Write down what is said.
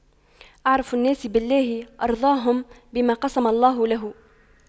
أعرف الناس بالله أرضاهم بما قسم الله له